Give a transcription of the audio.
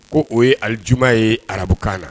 Ko o ye ali juma ye arabukkan na